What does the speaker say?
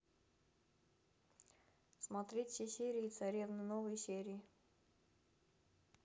смотреть все серии царевны новые серии